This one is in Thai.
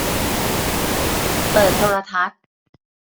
เปิดโทรทัศน์